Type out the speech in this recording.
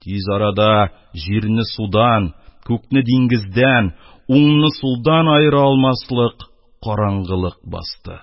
Тиз арада җирне судан, күкне диңгездән, уңны сулдан аера алмаслык караңгылык басты.